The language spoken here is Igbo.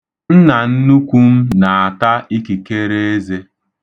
Nnannukwu m na-ata ikikereeze.